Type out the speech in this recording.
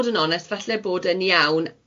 onest falle bod e'n iawn